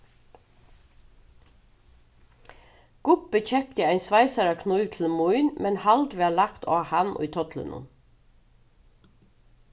gubbi keypti ein sveisaraknív til mín men hald varð lagt á hann í tollinum